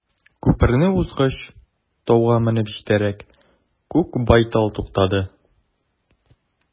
Күперне узгач, тауга менеп җитәрәк, күк байтал туктады.